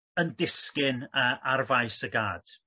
yn disgyn yy ar faes y gad.